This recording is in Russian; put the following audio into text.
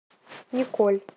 николь